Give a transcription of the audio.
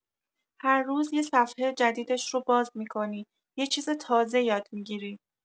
هر روز یه صفحه جدیدش رو باز می‌کنی، یه چیز تازه یاد می‌گیری.